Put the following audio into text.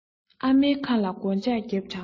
ཨ མའི ཁ ལ སྒོ ལྕགས བརྒྱབ དྲགས ན